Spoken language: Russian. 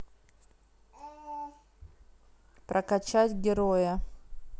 прокачать героя